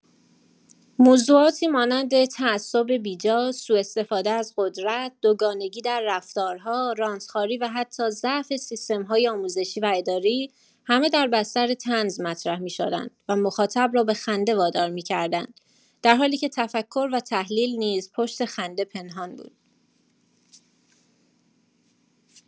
موضوعاتی مانند تعصب بی‌جا، سوءاستفاده از قدرت، دوگانگی در رفتارها، رانت‌خواری و حتی ضعف سیستم‌های آموزشی و اداری، همه در بستر طنز مطرح می‌شدند و مخاطب را به خنده وادار می‌کردند، در حالی که تفکر و تحلیل نیز پشت خنده پنهان بود.